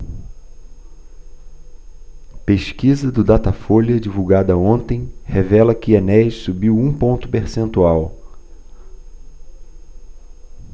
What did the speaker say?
pesquisa do datafolha divulgada ontem revela que enéas subiu um ponto percentual